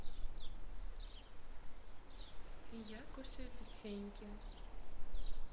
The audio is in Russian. я кушаю печеньки